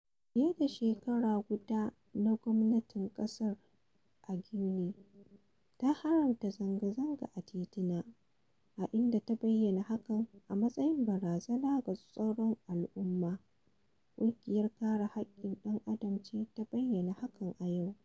Fiye da shekara guda ne gwamnatin ƙasar ta Guinea ta haramta zanga-zanga a titina, a inda ta bayyana hakan a matsayin barazana ga tsaron al'umma, ƙungiyar Kare Haƙƙin ɗan Adam ce ta bayyana haka a yau,